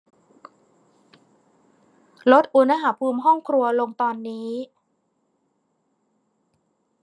ลดอุณหภูมิห้องครัวลงตอนนี้